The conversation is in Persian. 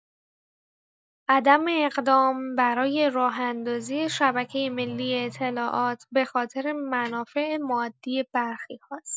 عدم اقدام برای راه‌اندازی شبکه ملی اطلاعات، بخاطر منافع مادی برخی‌ها ست.